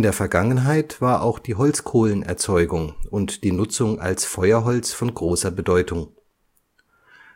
der Vergangenheit war auch die Holzkohlenerzeugung und die Nutzung als Feuerholz von großer Bedeutung.